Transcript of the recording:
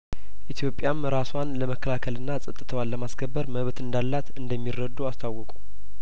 ኢትዮጵያም ራሷን ለመከላከልና ጸጥታዋን ለማስከበር መብት እንዳላት እንደሚረዱ አስታወቁ